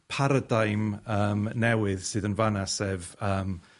paradigmyym newydd sydd yn fan 'na sef yym